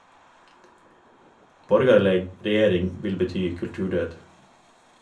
Borgarleg regjering vil bety kulturdød.